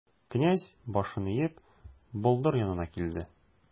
Князь, башын иеп, болдыр янына килде.